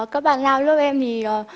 các bạn nam lớp em thì ờ